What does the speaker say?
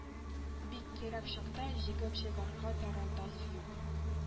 Бик кирәк чакта җигеп чыгарга тарантас юк